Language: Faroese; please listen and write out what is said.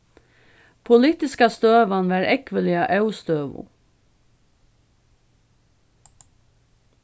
politiska støðan var ógvuliga óstøðug